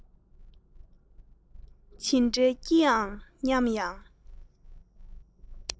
ཇི འདྲའི སྐྱིད ཨང སྙམ ཡང